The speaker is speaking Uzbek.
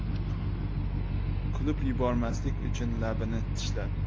kulib yubormaslik uchun labimni tishlab